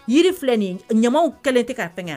Yiri filɛ nin ɲamaw kɛlen tɛ k'a fɛn na